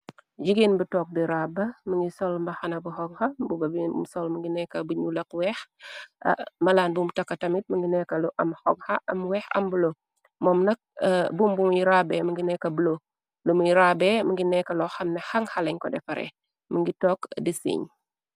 Jigeen bi took bi raba mingi sol mbaxana bu xoga buba sol mngi nekka buñu laq weex malaan buumu takka tamit m ngi nekka lu am xoga am weex aml moom nak bum bumuy raabe m ngi nekka bo lu muy raabe mi ngi nekka loo xamne xang xaleñ ko defare m ngi tokk disiñ.